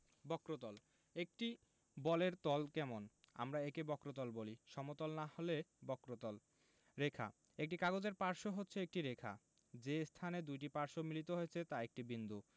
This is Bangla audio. বক্রতলঃ একটি বলের তল কেমন আমরা একে বক্রতল বলি সমতল না হলে বক্রতল রেখাঃ একটি কাগজের পার্শ্ব হচ্ছে একটি রেখা যে স্থানে দুইটি পার্শ্ব মিলিত হয়েছে তা একটি বিন্দু